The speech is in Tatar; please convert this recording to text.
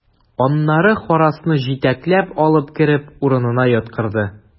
Аннары Харрасны җитәкләп алып кереп, урынына яткырды.